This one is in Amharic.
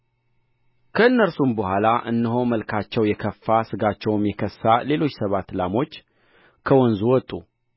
ከእነርሱም በኋላ እነሆ መልካቸው የከፋ ሥጋቸውም የከሳ ሌሎች ሰባት ላሞች ከወንዝ ወጡ